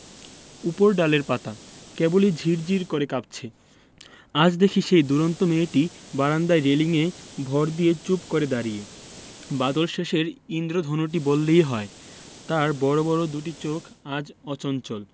উপরডালের পাতা কেবলি ঝির ঝির করে কাঁপছে আজ দেখি সেই দূরন্ত মেয়েটি বারান্দায় রেলিঙে ভর দিয়ে চুপ করে দাঁড়িয়ে বাদলশেষের ঈন্দ্রধনুটি বললেই হয় তার বড় বড় দুটি চোখ আজ অচঞ্চল